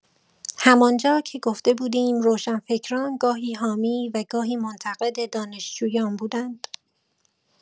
همان‌جا که گفته بودیم روشنفکران گاهی حامی و گاهی منتقد دانشجویان بودند؛